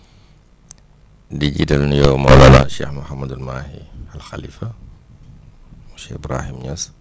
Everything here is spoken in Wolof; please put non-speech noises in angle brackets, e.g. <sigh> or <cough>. <noise> di jiital nuyoo <noise> Mawlana Cheikh Mouhamadul Mahi al Khalifa mu Cheikh Ibrahim Niass